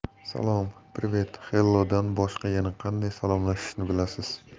salom privet hello dan boshqa yana qanday salomlashishni bilasiz